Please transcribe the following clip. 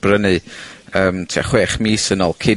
brynu yym tua chwech mis yn ôl cyn...